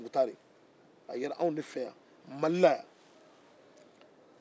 a yera anw de fɛ yan mali la